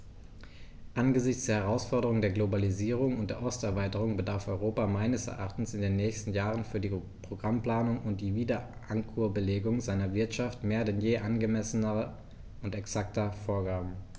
Angesichts der Herausforderung der Globalisierung und der Osterweiterung bedarf Europa meines Erachtens in den nächsten Jahren für die Programmplanung und die Wiederankurbelung seiner Wirtschaft mehr denn je angemessener und exakter Vorgaben.